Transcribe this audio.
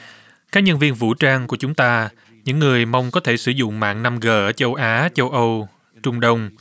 các nhân viên vũ trang của chúng ta những người mong có thể sử dụng mạng năm gờ ở châu á châu âu trung đông